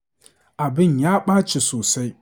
Abin Ya Ɓaci Sosai.